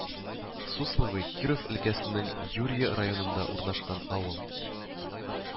Сусловы Киров өлкәсенең Юрья районында урнашкан авыл